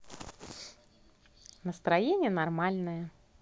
настроение нормальное